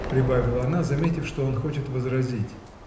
— прибавила она, заметив, что он хочет возразить.